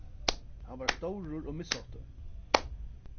hann var stórur og misháttur